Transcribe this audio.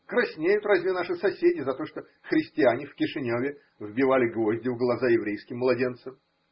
Краснеют разве наши соседи за то, что христиане в Кишиневе вбивали гвозди в глаза еврейским младенцам?